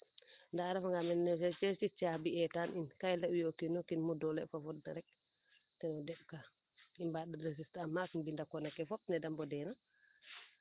ndaa a refa nga mene ñeti caabi etaan in ka i ley uye o kiino kiin ne doole of a fod na rek teno deɓ kaa i mbaand registre ma maak mbina kona ke fop neede mbode na